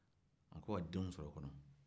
o ka taa denw sɔrɔ o kɔnɔ